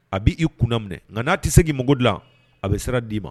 A bɛ' kun minɛ nka n'a tɛ se'i mako dilan a bɛ siran d'i ma